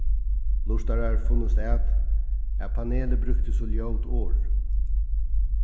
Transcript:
lurtarar funnust at at panelið brúkti so ljót orð